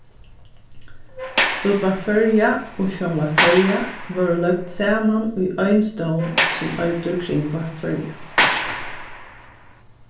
útvarp føroya og sjónvarp føroya vórðu løgd saman í ein stovn sum eitur kringvarp føroya